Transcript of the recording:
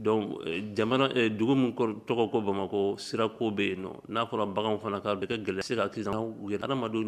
Donc e jamana e dugu min kori tɔgɔ ko Bamako sira ko be yennɔ n'a fɔra baganw fana ka a be kɛ gɛlɛ se ka adamadenw